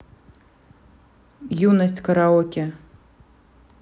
юность караоке